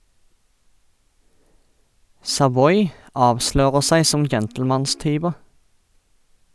Savoy avslører seg som gentlemanstyver.